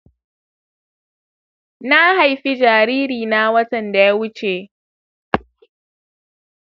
na haifi jariri na watan da ya wuce